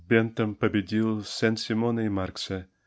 Бентам победил Сен-Симона и Маркса.